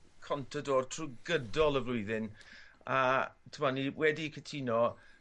Contador trw gydol y flwyddyn a t'mod ni wedi cytuno